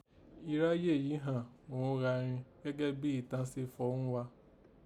Iráyé yìí ghàn gho gha rin gẹ́gẹ́ bí ìtàn se fọ̀ọ́ ghún gha